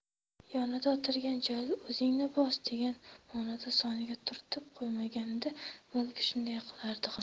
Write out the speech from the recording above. yonida o'tirgan jalil o'zingni bos degan ma'noda soniga turtib qo'ymaganida balki shunday qilardi ham